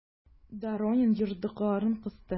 Доронин йодрыкларын кысты.